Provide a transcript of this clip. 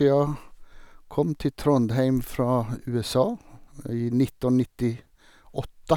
Jeg kom til Trondheim fra USA i nitten nitti åtte.